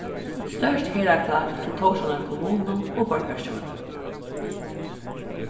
stórt herðaklapp til tórshavnar kommunu og borgarstjóran